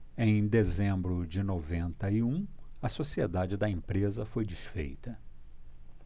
em dezembro de noventa e um a sociedade da empresa foi desfeita